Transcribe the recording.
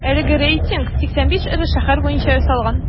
Әлеге рейтинг 85 эре шәһәр буенча ясалган.